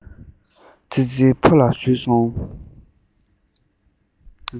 ཙི ཙི ཕོ ལ ཞུས སོང